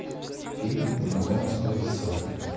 фильм знакомство с